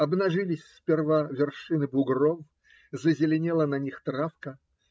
Обнажились сперва вершины бугров, зазеленела на них травка.